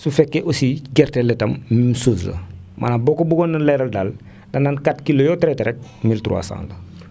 su fekkee aussi gerte la itam même chose la maanaam boo ko bëggoon a leeral daal da naan 4 kilos yoo traité rek 1300 la